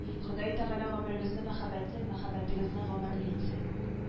Ходай тәгалә гомерегезне мәхәббәтле мәхәббәтегезне гомерле итсен